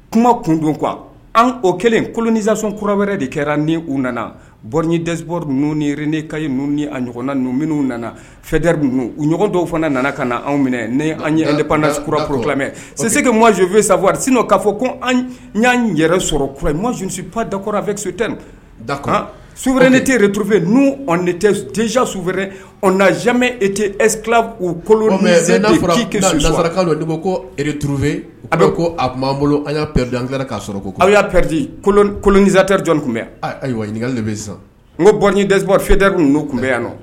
Kuma kun don qu an o kɛlen kolonisason kura wɛrɛ de kɛra ni u nanadpri ninnuren ka n ni a ɲɔgɔn na ninnu minnu nana fɛdrri ninnu u ɲɔgɔn dɔw fana nana ka na anw minɛ ne an yɛrɛ nepdauroro sese ka majofɛ sari sino k'a fɔ ko n y'an yɛrɛ sɔrɔ kura ma z sup da kura a fɛ sute da suur ne tɛereurufɛ n'uz suɛdame e tɛ e u kolon de koreuruure a bɛ a b'an bolo an p ka sɔrɔ ko aw' pɛ kolonisareri jɔnni tun bɛ sisan n ko bɔndp fidrri ninnu n kun bɛ yan